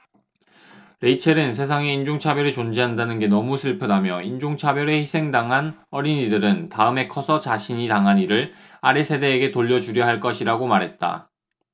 레이첼은 세상에 인종차별이 존재한다는 게 너무 슬프다며 인종차별에 희생당한 어린이들은 다음에 커서 자신이 당한 일을 아래 세대에게 돌려주려 할 것이라고 말했다